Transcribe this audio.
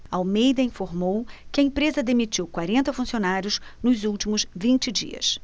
almeida informou que a empresa demitiu quarenta funcionários nos últimos vinte dias